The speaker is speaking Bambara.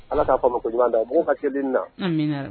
Ala k'a fa koɲɔgɔn da a' ka kelen na